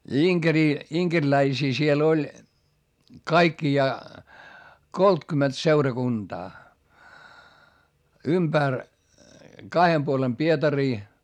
ja inkeriä inkeriläisiä siellä oli kaikkiaan kolmekymmentä seurakuntaa ympäri kahden puolen Pietaria